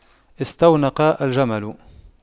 استنوق الجمل